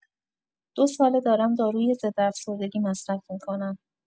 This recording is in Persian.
دو ساله دارم داروی ضدافسردگی مصرف می‌کنم.